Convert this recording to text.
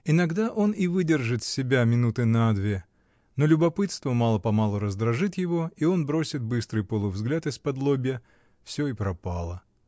Иногда он и выдержит себя минуты на две, но любопытство мало-помалу раздражит его, и он бросит быстрый полувзгляд исподлобья — всё и пропало.